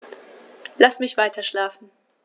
Lass mich weiterschlafen.